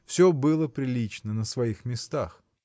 Все было прилично, на своих местах.